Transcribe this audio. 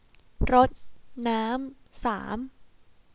รดน้ำสาม